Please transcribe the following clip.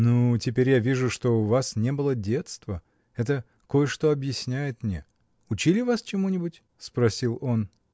— Ну, теперь я вижу, что у вас не было детства: это кое-что объясняет мне. Учили вас чему-нибудь? — спросил он.